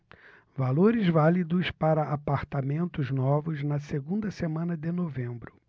valores válidos para apartamentos novos na segunda semana de novembro